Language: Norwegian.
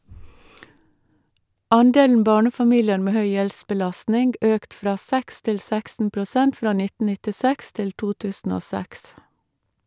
Andelen barnefamilier med høy gjeldsbelastning økt fra 6 til 16 prosent fra 1996 til 2006.